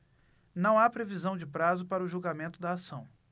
não há previsão de prazo para o julgamento da ação